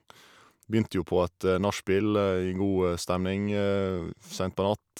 Begynte jo på et nachspiel i god stemning sent på natt.